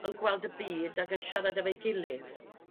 yn gweld y byd ag yn siarad efo'i gilydd